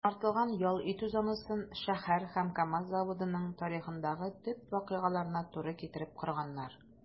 Яңартылган ял итү зонасын шәһәр һәм КАМАЗ заводының тарихындагы төп вакыйгаларына туры китереп корганнар.